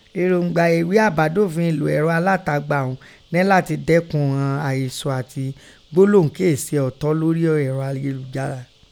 Èròńgbà eghé àbádòfin ìlò ẹ̀rọ alátagbà ọ̀ún nẹ látin dẹ́kun ìghọn àhesọ àti gbólóhùn keè ṣe ọ̀ọ́tọ́ lórí ẹ̀rọ ayélujára.